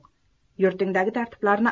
yurtingdagi tartiblarni